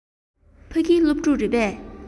ཕ གི སློབ ཕྲུག རེད པས